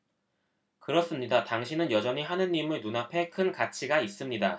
그렇습니다 당신은 여전히 하느님의 눈앞에 큰 가치가 있습니다